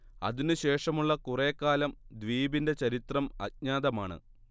അതിനു ശേഷമുള്ള കുറെ കാലം ദ്വീപിന്റെ ചരിത്രം അജ്ഞാതമാണ്